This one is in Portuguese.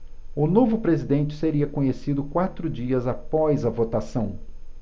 o novo presidente seria conhecido quatro dias após a votação